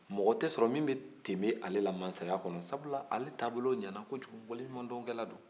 mɔgɔ tɛ sɔrɔ min bɛ tɛmɛ ale la masaya kɔnɔ sabula wale ɲumankɛla don